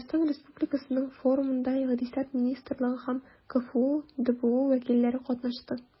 Татарстан Республикасыннан форумда Икътисад министрлыгы һәм КФҮ ДБУ вәкилләре катнашты.